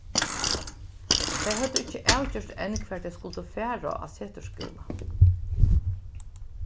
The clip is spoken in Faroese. tey høvdu ikki avgjørt enn hvar tey skuldu fara á setursskúla